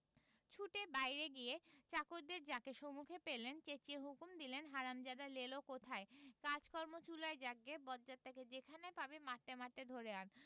ছুটে বাহিরে গিয়ে চাকরদের যাকে সুমুখে পেলেন চেঁচিয়ে হুকুম দিলেন হারামজাদা লেলো কোথায় কাজকর্ম চুলোয় যাক গে বজ্জাতটাকে যেখানে পাবি মারতে মারতে ধরে আন্